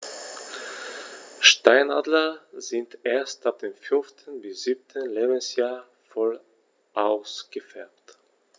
Steinadler sind erst ab dem 5. bis 7. Lebensjahr voll ausgefärbt.